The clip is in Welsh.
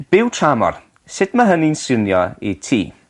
Byw tramor. Sut mae hynny'n swnio i ti?